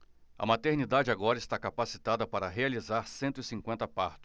a maternidade agora está capacitada para realizar cento e cinquenta partos